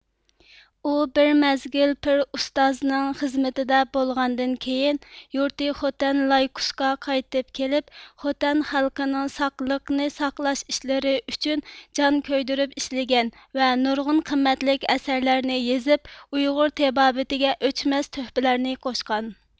ئۇ بىر مەزگىل پىر ئۇستازنىڭ خىزمىتىدە بولغاندىن كېيىن يۇرتى خوتەن لايكۇسغا قايتىپ كېلىپ خوتەن خەلقىنىڭ ساقلىقنى ساقلاش ئىشلىرى ئۈچۈن جان كۆيدۈرۈپ ئىشلىگەن ۋە نۇرغۇن قىممەتلىك ئەسەرلەرنى يېزىپ ئۇيغۇر تېبابىتىگە ئۆچمەس تۆھپىلەرنى قوشقان